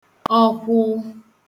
ọkwhụ